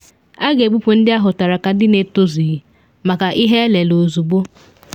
A ga-ebupu ndị ahụtara ka ndị na etozughi maka ihe elele ozugbo.